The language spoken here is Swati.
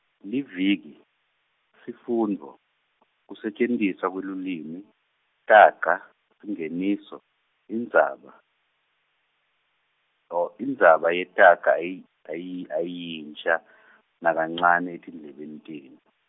liviki, Sifundvo, Kusetjentiswa kwelulwimi, Taga, Singeniso, Indzaba, oh indzaba yetaga eyi, ayi ayiyinsha nakancane etindlebeni tenu.